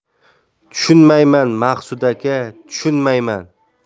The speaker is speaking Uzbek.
tushunmayman maqsud aka tushunmayman